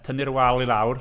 Tynnu'r wal i lawr.